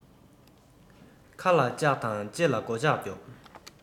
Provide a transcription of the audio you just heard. ཁ ལ ལྕགས དང ལྕེ ལ སྒོ ལྩགས རྒྱོབ